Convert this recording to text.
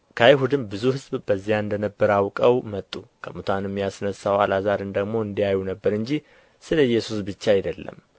ከአይሁድም ብዙ ሕዝብ በዚያ እንደ ነበረ አውቀው መጡ ከሙታንም ያስነሣውን አልዓዛርን ደግሞ እንዲያዩ ነበረ እንጂ ስለ ኢየሱስ ብቻ አይደለም